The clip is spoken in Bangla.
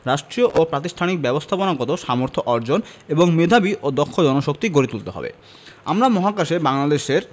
রাষ্ট্রীয় ও প্রাতিষ্ঠানিক ব্যবস্থাপনাগত সামর্থ্য অর্জন এবং মেধাবী ও দক্ষ জনশক্তি গড়ে তুলতে হবে আমরা মহাকাশে বাংলাদেশের